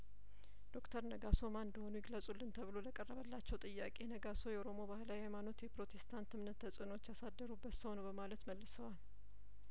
ዶክተር ነጋሶ ማን እንደሆኑ ይግለጹሉን ተብሎ ለቀረበላቸው ጥያቄ ነጋሶ የኦሮሞ ባህላዊ ሀይማኖት የፕሮቴስታንት እምነት ተጽእኖዎች ያሳደሩበት ሰው ነው በማለት መልሰዋል